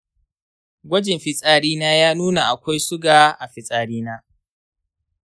gwajin fitsarina ya nuna akwai suga a fitsarina.